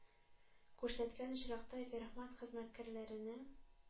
Күрсәткән очракта, вермахт, хезмәткәрләренең